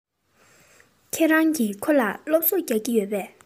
ཁྱེད རང གིས ཁོ ལ སློབ གསོ རྒྱག གི ཡོད པས